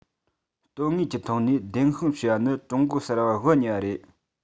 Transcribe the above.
དོན དངོས ཀྱི ཐོག ནས བདེན དཔང བྱས པ ནི ཀྲུང གོ གསར བ དབུ བརྙེས པ དང